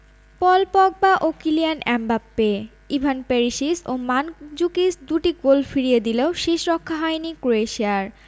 পল Pogba ও Kylian Mbappe Ivan Perisic ও Mandzukic দুটি গোল ফিরিয়ে দিলেও শেষরক্ষা হয়নি ক্রোয়েশিয়ার